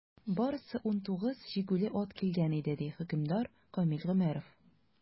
Барысы 19 җигүле ат килгән иде, - ди хөкемдар Камил Гомәров.